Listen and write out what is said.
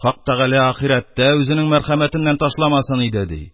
Хак тәгалә ахирәттә үзенең мәрхәмәтеннән ташламасын иде, — ди.